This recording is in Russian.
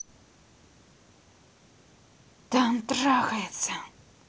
там трахается